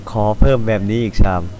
ขอเพิ่มแบบนี้อีกชาม